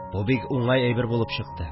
Бу бик уңай әйбер булып чыкты